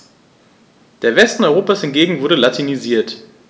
Der Westen Europas hingegen wurde latinisiert.